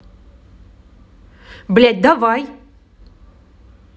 блядь давай